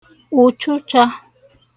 ụ̀tchụchā